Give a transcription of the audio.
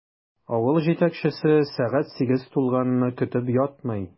Авыл җитәкчесе сәгать сигез тулганны көтеп ятмый.